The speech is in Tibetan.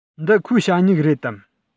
འདི ཁོའི ཞ སྨྱུག རེད དམ